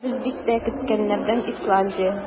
Без бик тә көткәннәрдән - Исландия.